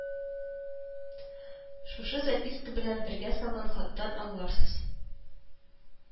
Шушы записка белән бергә салган хаттан аңларсыз